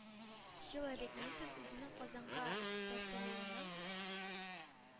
Хиллари Клинтон үзенең Казанга тартылуының